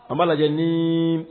A b'a lajɛ ni